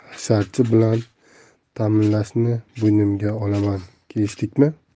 hasharchi bilan taminlashni bo'ynimga olaman kelishdikmi